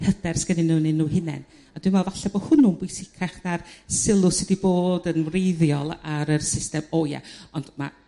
hyder s'gennyn nhw 'nyn nhw hunen a dw me'wl falle bo hwnnw bwysicach na'r sylw sy 'di bod yn wreiddiol ar yr system o ie ond ma'